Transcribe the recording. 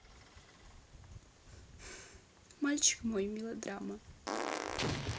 мальчик мой мелодрама